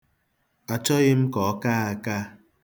Achọghị m ka ọ kaa aka.